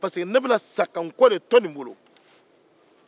pariseke ne bɛna sa ka n kɔ de to nin bolo